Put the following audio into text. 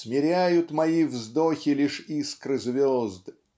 смиряют мои вздохи лишь искры звезд